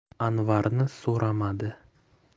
anvarni so'ramadi